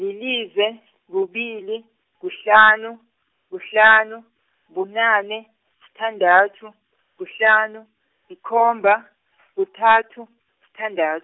lilize, kubili, kuhlanu, kuhlanu, bunane, sithandathu, kuhlanu, likhomba , kuthathu, sithandath-.